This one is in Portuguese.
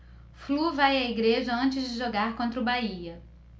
flu vai à igreja antes de jogar contra o bahia